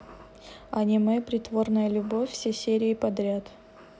аниме притворная любовь все серии подряд